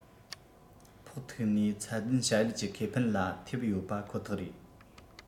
ཕོག ཐུག ནས ཚད ལྡན བྱ ཡུལ གྱི ཁེ ཕན ལ ཐེབས ཡོད ཁོ ཐག རེད